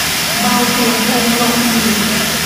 เบาเสียงเพลงลงอีก